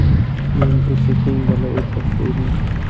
men o'sha keng dala o'rtasida edim